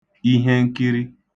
ihenkiri